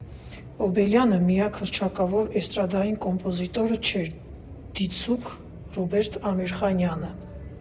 Օրբելյանը միակ հռչակավոր էստրադային կոմպոզիտորը չէր, դիցուք՝ Ռոբերտ Ամիրխանյանը։